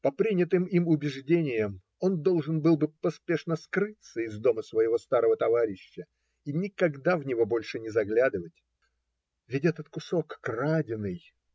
По принятым им убеждениям, он должен был бы поспешно скрыться из дома своего старого товарища и никогда в него больше не заглядывать. "Ведь этот кусок краденый,